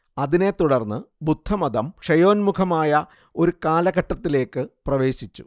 അതിനെ തുടർന്ന് ബുദ്ധമതം ക്ഷയോന്മുഖമായ ഒരു കാലഘട്ടത്തിലേക്ക് പ്രവേശിച്ചു